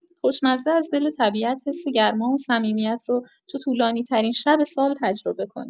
خوشمزه از دل طبیعت، حس گرما و صمیمیت رو تو طولانی‌ترین شب سال تجربه کنید.